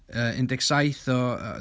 yy un deg saith o...